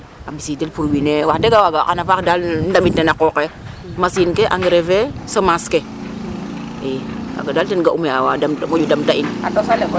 A ɓisiidel pour wiin we wax deg a waaga xan a faax daal no ndamit ne qooq qe machine ke engrais fe semence ke i kaaga daal ga'um ee a waa moƴo damta in.